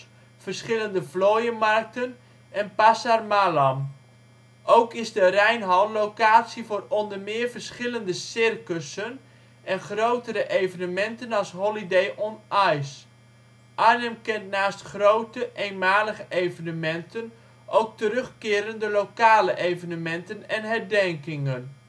verschillende vlooienmarkten en Pasar Malam. Ook is de Rijnhal locatie voor onder meer verschillende circussen en grotere evenementen als Holiday on Ice. Arnhem kent naast grote, eenmalige evenementen, ook terugkerende lokale evenementen en herdenkingen